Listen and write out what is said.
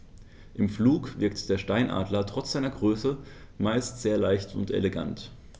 Im Flug wirkt der Steinadler trotz seiner Größe meist sehr leicht und elegant.